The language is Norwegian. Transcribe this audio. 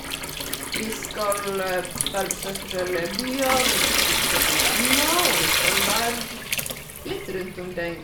Vi skal fær og besøke forskjellige byer, vi må skal besøke venner og vi skal være litt rundt omkring.